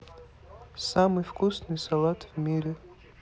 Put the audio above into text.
самый вкусный салат в мире